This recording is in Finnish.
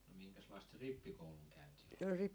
no minkäslaista se rippikoulun käynti oli